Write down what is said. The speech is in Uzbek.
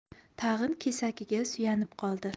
tag'in kesakiga suyanib qoldi